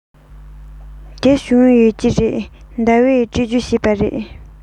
དེ བྱུང ཡོད ཀྱི རེད ཟླ བས སྤྲོད རྒྱུ བྱས པ རེད